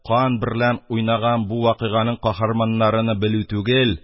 Кан берлән уйнаган бу вакыйганың каһарманнарыны белү түгел,